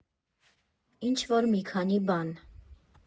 Ինչ֊որ մի քանի բան։